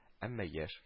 Әмма яшь